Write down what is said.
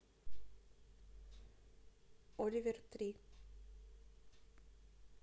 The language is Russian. оливер три